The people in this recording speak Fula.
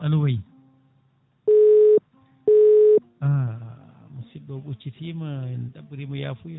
allo ouais a musidɗo ɓocitima en ɗaɓɓirimo yafuya